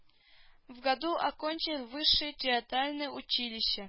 В году окончил высшее театральное училище